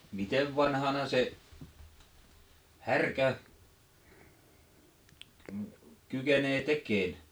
miten vanhana se härkä kykenee tekemään